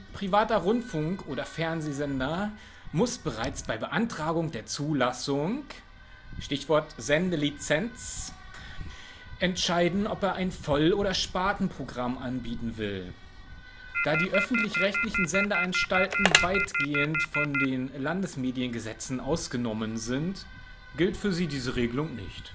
privater Rundfunk - oder Fernsehsender muss bereits bei Beantragung der Zulassung („ Sendelizenz “) entscheiden, ob er ein Voll - oder Spartenprogramm anbieten will. Da die öffentlich-rechtlichen Sendeanstalten weitgehend von den Landesmediengesetzen ausgenommen sind, gilt für sie diese Regelung nicht